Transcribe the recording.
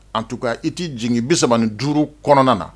En tout cas i t'i jigin 35 kɔnɔna na